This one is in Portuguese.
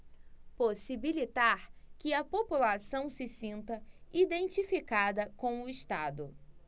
possibilitar que a população se sinta identificada com o estado